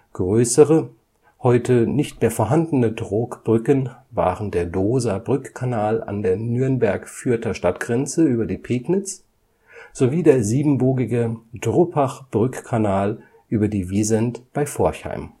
Größere, heute nicht mehr vorhandene Trogbrücken waren der Dooser Brückkanal an der Nürnberg-Fürther Stadtgrenze über die Pegnitz sowie der siebenbogige Truppach-Brückkanal über die Wiesent bei Forchheim